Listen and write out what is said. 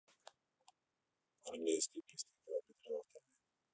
армейские песни километры локтями